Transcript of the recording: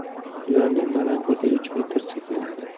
ularning balandligi uch metrcha keladi